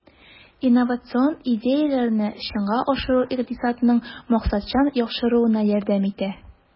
Инновацион идеяләрне чынга ашыру икътисадның максатчан яхшыруына ярдәм итә.